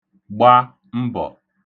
gba mbọ̀